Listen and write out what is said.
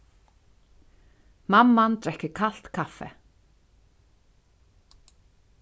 mamman drekkur kalt kaffi